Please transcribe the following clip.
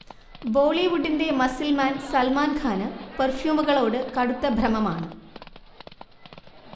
ബോളിവുഡിന്റെ muscle man സൽമാൻഖാന് പെർഫ്യൂമുകളോട് കടുത്ത ഭ്രമമാണ്